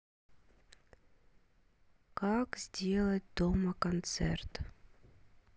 как сделать дома концерт